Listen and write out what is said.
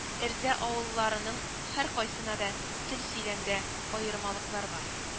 Эрзә авылларының һәркайсында да тел-сөйләмдә аермалыклар бар